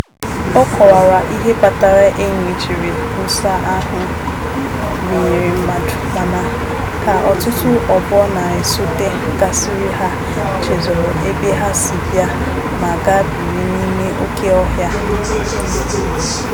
Ọ kọwara ihe kpatara ényí jiri wụsa ahụ binyere mmadụ mana, ka ọtụtụ ọgbọ na-esote gasịrị, ha chezoro ebe ha si bịa ma gaa bịrị n'ime oke ọhịa.